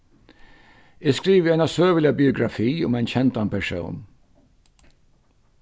eg skrivi eina søguliga biografi um ein kendan persón